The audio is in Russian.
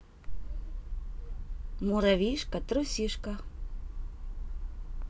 муравьишка трусишка